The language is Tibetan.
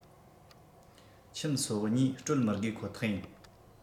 ཁྱིམ ༣༢ སྤྲོད མི དགོས ཁོ ཐག ཡིན